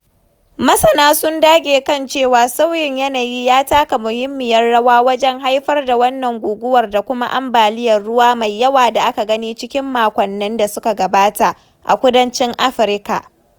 Masana sun dage kan cewa sauyin yanayi ya taka muhimmiyar rawa wajen haifar da wannan guguwar da kuma ambaliyar ruwa mai yawa da aka gani cikin makonnin da suka gabata a kudancin Afirka.